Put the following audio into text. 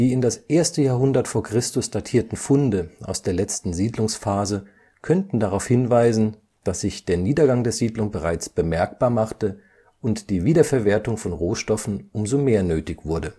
in das 1. Jahrhundert v. Chr. datierten Funde aus der letzten Siedlungsphase könnten darauf hinweisen, dass sich der Niedergang der Siedlung bereits bemerkbar machte und die Wiederverwertung von Rohstoffen umso mehr nötig wurde